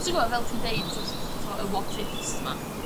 ti'n gwbo fel ti'n deud jyst t'mo' y what ifs 'ma?